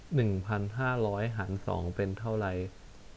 หนึ่งพันห้าร้อยหารสองเป็นเท่าไร